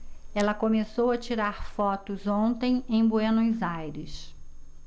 ela começou a tirar fotos ontem em buenos aires